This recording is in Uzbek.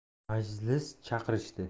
majlis chaqirishdi